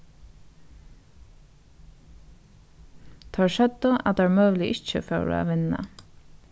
teir søgdu at teir møguliga ikki fóru at vinna